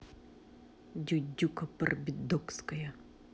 дюдюка барбидокская